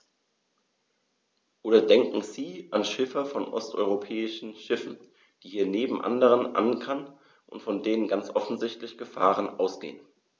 Oder denken Sie an Schiffer von osteuropäischen Schiffen, die hier neben anderen ankern und von denen ganz offensichtlich Gefahren ausgehen.